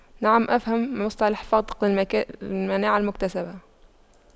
نعم افهم مصطلح فطق المناعة المكتسبة